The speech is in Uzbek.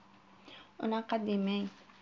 unaqa demang